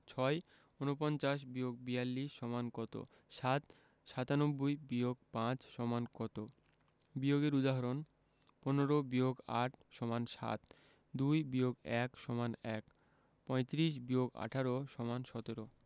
৬ ৪৯-৪২ = কত ৭ ৯৭-৫ = কত বিয়োগের উদাহরণঃ ১৫ – ৮ = ৭ ২ - ১ =১ ৩৫ – ১৮ = ১৭